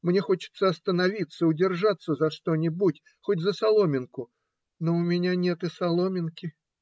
Мне хочется остановиться, удержаться за что-нибудь, хоть за соломинку, но у меня нет и соломинки.